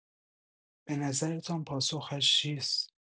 به نظرتان پاسخش چیست؟